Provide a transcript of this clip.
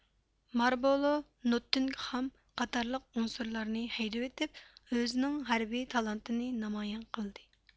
ماربولو نوتتىنگخام قاتارلىق ئۇنسۇرلارنى ھەيدىۋېتىپ ئۆزىنىڭ ھەربىي تالانتىنى نامايان قىلدى